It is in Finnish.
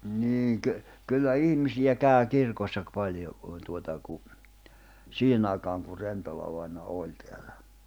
niin - kyllä ihmisiä kävi kirkossa paljon kun tuota kun siihen aikaan kun Rentola-vainaja oli täällä